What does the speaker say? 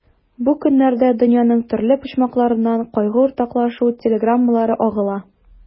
Бу көннәрдә дөньяның төрле почмакларыннан кайгы уртаклашу телеграммалары агыла.